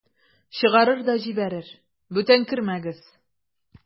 Чыгарыр да җибәрер: "Бүтән кермәгез!"